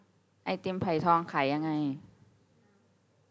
ไอติมไผ่ทองขายยังไง